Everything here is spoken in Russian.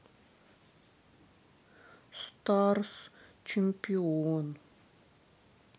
старс чемпион